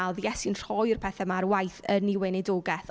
A oedd Iesu'n rhoi'r pethe 'ma ar waith yn ei weinidogaeth.